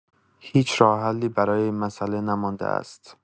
هیچ راه حلی برای این مسئله نمانده است.